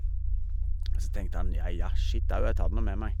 Ja, ja, skitt au, jeg tar det nå med meg.